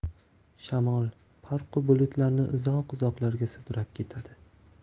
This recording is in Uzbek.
shamol parqu bulutlarni uzoq uzoqlarga sudrab ketadi